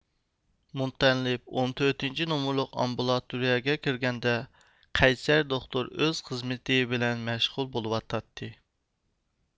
مۇتەللىپ ئون تۆتىنچى نومۇرلۇق ئامبۇلاتورىيىگە كىرگەندە قەيسەر دوختۇر ئۆز خىزمىتى بىلەن مەشغۇل بولۇۋاتاتتى